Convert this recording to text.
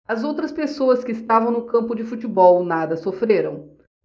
as outras pessoas que estavam no campo de futebol nada sofreram